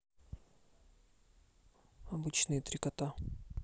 обычные три кота